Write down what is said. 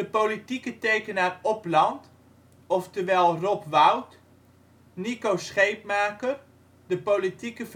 politieke tekenaar Opland oftewel Rob Wout, Nico Scheepmaker, de politieke